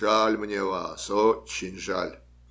Жаль мне вас, очень жаль.